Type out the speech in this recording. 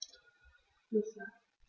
Sicher.